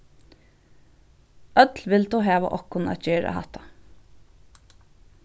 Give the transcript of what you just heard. øll vildu hava okkum at gera hatta